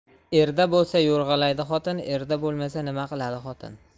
erda bo'lsa yo'rg'alaydi xotin erda bo'lmasa nima qiladi xotin